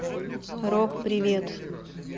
рок привет